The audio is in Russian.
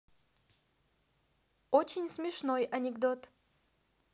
очень смешной анекдот